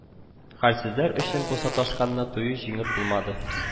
Хәлсезләр өчен бу саташканны тыю җиңел булмады